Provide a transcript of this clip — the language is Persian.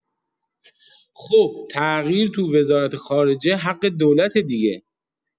خوب تغییر تو وزارت‌خارجه حق دولته دیگه.